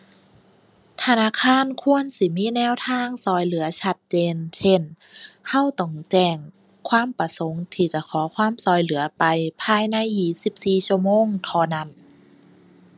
ธนาคารควรสิมีแนวทางช่วยเหลือชัดเจน เช่น ช่วยต้องแจ้งความประสงค์ที่จะขอความช่วยเหลือไปภายในยี่สิบสี่ชั่วโมงเท่านั้น